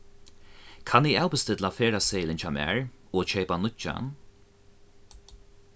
kann eg avbestilla ferðaseðilin hjá mær og keypa nýggjan